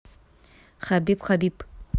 хабиб хабиб